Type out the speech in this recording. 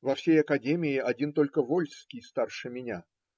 во всей академии один только Вольский старше меня.